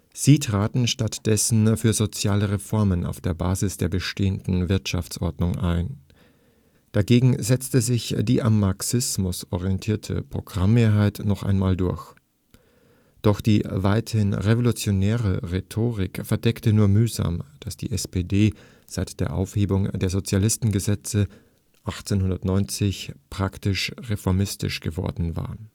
Sie traten stattdessen für soziale Reformen auf der Basis der bestehenden Wirtschaftsordnung ein. Dagegen setzte sich die am Marxismus orientierte Parteimehrheit noch einmal durch. Doch die weiterhin revolutionäre Rhetorik verdeckte nur mühsam, dass die SPD seit der Aufhebung der Sozialistengesetze 1890 praktisch reformistisch geworden war